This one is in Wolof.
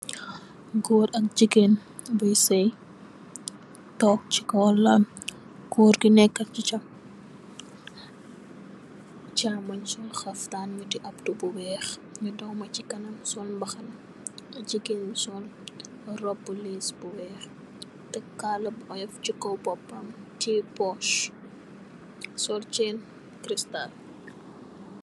Goor ak jegain buye saye tonke che kaw lal goor ge neka che cha chamung sol xaftan nyate abdou bu weex che nu dawmeh se kanam sol mbaxana jegain be sol roubu liss bu weex takk kala bu oyuf se kaw bopam be teye puss sol ccine cristal.